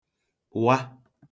wa